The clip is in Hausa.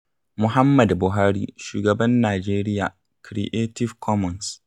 Muhammad Buhari, shugaban Najeriya. Creative Commons.